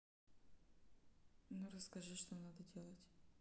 ну расскажи что надо делать